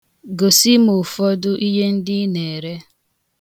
Gosi m ụfọdụ ihe ndị ị na-ere.